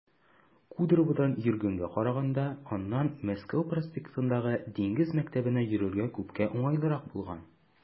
Кудроводан йөргәнгә караганда аннан Мәскәү проспектындагы Диңгез мәктәбенә йөрергә күпкә уңайлырак булган.